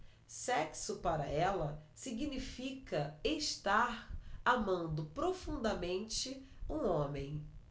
sexo para ela significa estar amando profundamente um homem